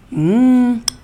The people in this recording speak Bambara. Unnn!